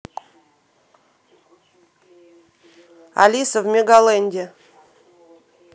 алиса в мегаленде